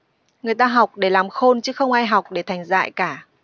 người ta học để làm khôn chứ không ai học để thành dại cả